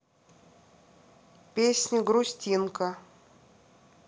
песня грустинка